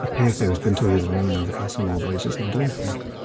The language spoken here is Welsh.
Y peth yw, it's been two years in a row now, the Casa Amor boys are just not doing it for me.